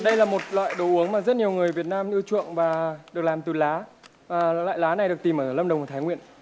đây là một loại đồ uống mà rất nhiều người việt nam yêu chuộng và được làm từ lá ờ loại lá này được tìm ở lâm đồng và thái nguyên ạ